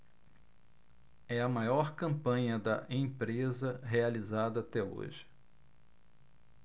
é a maior campanha da empresa realizada até hoje